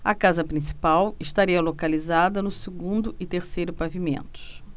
a casa principal estaria localizada no segundo e terceiro pavimentos